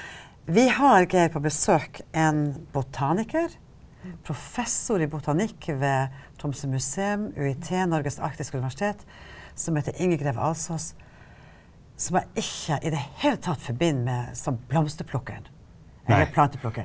vi har Geir på besøk en botaniker professor i botanikk ved Tromsø museum UiT Norges arktiske universitet som heter Inger Greve Alsos som jeg ikke i det hele tatt forbinder med sånn blomsterplukker planteplukker.